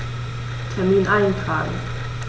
Termin eintragen